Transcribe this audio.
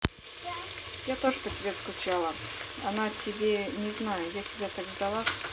я тоже по тебе скучала она тебе не знаю я тебя так ждала